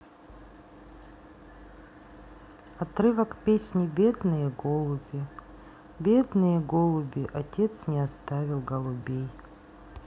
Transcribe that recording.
отрывок песни бедные голуби бедные голуби отец не оставил голубей